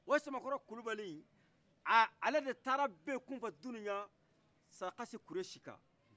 o samakɔrɔ kulubali in a ale de taara bin kunfaduniya sarakasi kuresi kan